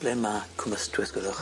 Ble ma' Cwm Ystwyth dwedwch?